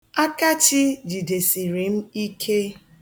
Akachi jidesiri m ike.